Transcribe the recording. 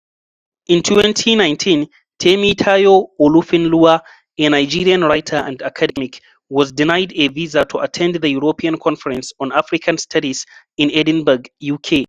In 2019, Temitayo Olofinlua, a Nigerian writer and academic, was denied a visa to attend the European Conference on African Studies in Edinburgh, UK.